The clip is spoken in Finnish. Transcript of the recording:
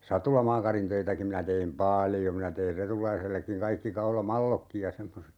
satulamaakarintöitäkin minä tein paljon minä tein Retulaisellekin kaikki kaulamallotkin ja semmoiset